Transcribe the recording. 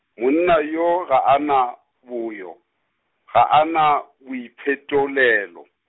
monna yo ga a na, boyo, ga a na, boiphetolelo.